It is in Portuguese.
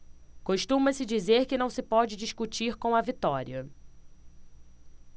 costuma-se dizer que não se pode discutir com a vitória